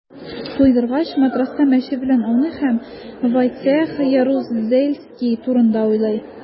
Туйдыргач, матраста мәче белән ауный һәм Войцех Ярузельский турында уйлый.